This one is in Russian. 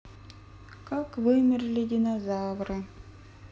как вымерли динозавры